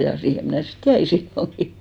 ja siihen minä sitten jäin silloinkin